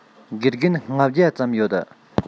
དགེ རྒན ༥༠༠ ཙམ ཡོད